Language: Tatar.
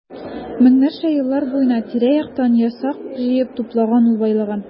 Меңнәрчә еллар буена тирә-яктан ясак җыеп туплаган ул байлыгын.